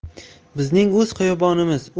bizning o'z xiyobonimiz o'z